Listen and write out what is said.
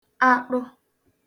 aṭụ